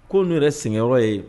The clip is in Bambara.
Ko nu yɛrɛ singɛ yɔrɔ ye